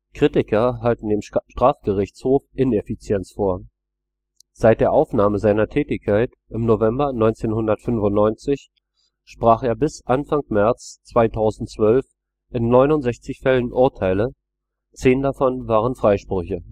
Kritiker halten dem Strafgerichtshof Ineffizienz vor. Seit der Aufnahme seiner Tätigkeit im November 1995 sprach er bis Anfang März 2012 in 69 Fällen Urteile, zehn davon waren Freisprüche